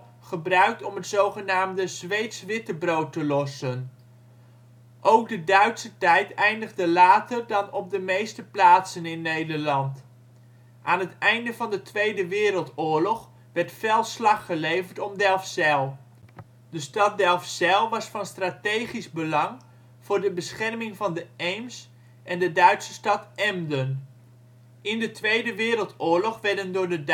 gebruikt om het zogenaamde Zweeds wittebrood te lossen. Ook de Duitse tijd eindigde later dan op de meeste plaatsen in Nederland. Aan het einde van de Tweede Wereldoorlog werd fel slag geleverd om Delfzijl. De stad Delfzijl was van strategisch belang voor de bescherming van de Eems en de Duitse stad Emden. In de Tweede Wereldoorlog werden door de